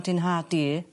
...'di'n nhad i.